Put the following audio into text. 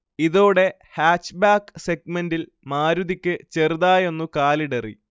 ഇതോടെ ഹാച്ച്ബാക്ക് സെഗ്മന്റെിൽ മാരുതിക്ക് ചെറുതായൊന്ന് കാലിടറി